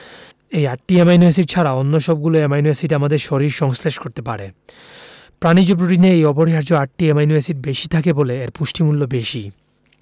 এই আটটি amino acid ছাড়া অন্য সবগুলো অ্যামাইনো এসিড আমাদের শরীর সংশ্লেষ করতে পারে প্রাণিজ প্রোটিনে এই অপরিহার্য আটটি অ্যামাইনো এসিড বেশি থাকে বলে এর পুষ্টিমূল্য বেশি